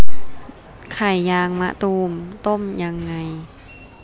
ไข่ยางมะตูมต้มยังไง